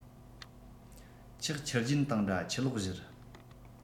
ཆགས ཆུ རྒྱུན དང འདྲ ཆུ ལོག བཞུར